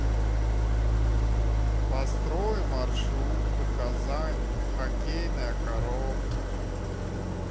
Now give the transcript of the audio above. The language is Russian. построй маршрут до казань хоккейная коробка